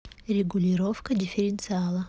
регулировка дифференциала